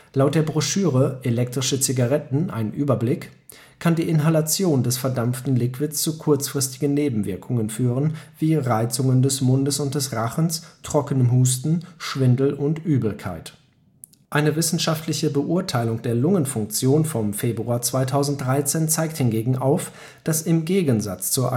Laut der Broschüre Elektrische Zigaretten – Ein Überblick kann die Inhalation des verdampften Liquids zu kurzfristigen Nebenwirkungen führen, wie Reizungen des Mundes und des Rachen, trockenem Husten, Schwindel und Übelkeit. Eine wissenschaftliche Beurteilung der Lungenfunktion vom Februar 2013 zeigt hingegen auf, dass im Gegensatz zu